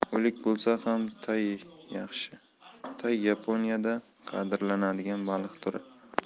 o'lik bo'lsa ham tay yaxshi tay yaponiyada qadrlanadigan baliq turi